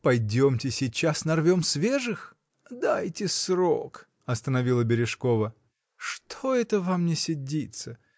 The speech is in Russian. — Пойдемте сейчас нарвем свежих!. — Дайте срок! — остановила Бережкова. — Что это вам не сидится?